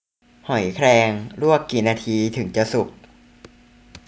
หอยแครงลวกกี่นาทีถึงจะสุก